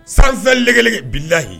Sansanlɛ bilayi